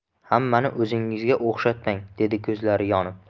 hammani o'zingizga o 'xshatmang dedi ko'zlari yonib